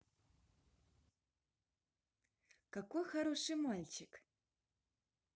какой хороший мальчик